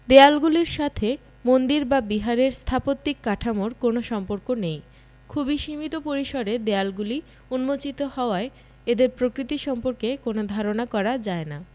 দেয়ালগুলির সাথে মন্দির বা বিহারের স্থাপত্যিক কাঠামোর কোন সম্পর্ক নেই খুবই সীমিত পরিসরে দেয়ালগুলি উন্মোচিত হওয়ায় এদের প্রকৃতি সম্পর্কে কোন ধারণা করা যায় না